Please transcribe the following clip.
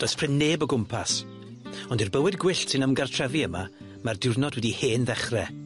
Does prin neb o gwmpas ond i'r bywyd gwyllt sy'n ymgartrefi yma, mae'r diwrnod wedi hen ddechre.